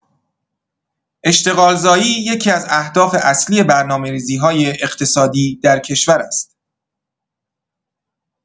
اشتغالزایی یکی‌از اهداف اصلی برنامه‌ریزی‌های اقتصادی در کشور است.